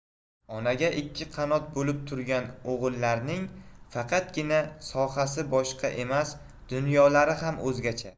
onaga ikki qanot bo'lib turgan o'g'illarning faqatgina sohasi boshqa emas dunyolari ham o'zgacha